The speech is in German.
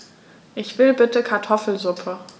Ich will bitte Kartoffelsuppe.